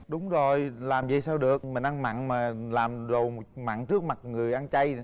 đúng rồi làm vậy sao được mình ăn mặn mà làm đồ mặn trước mặt người ăn chay